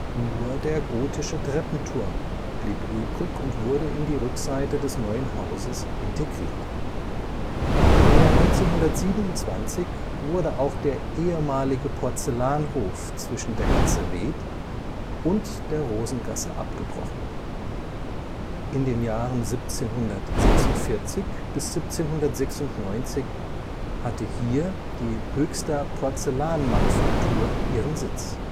Nur der gotische Treppenturm blieb übrig und wurde in die Rückseite des neuen Hauses integriert. Im Jahr 1927 wurde auch der ehemalige Porzellanhof zwischen der Gasse Wed und der Rosengasse abgebrochen; in den Jahren 1746 bis 1796 hatte hier die Höchster Porzellanmanufaktur ihren Sitz